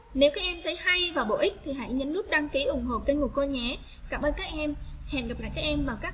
và bổ ích thì hãy nhấn nút đăng ký ủng hộ kênh của tôi nhé cảm ơn các em hẹn gặp lại em vào